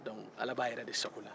donke ala b'a yɛrɛ de sago la